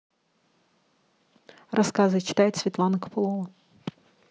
рассказы читает светлана копылова